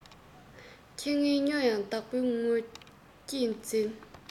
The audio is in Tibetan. ཁྱི ངན སྨྱོ ཡང བདག པོ ངོས ཀྱིས འཛིན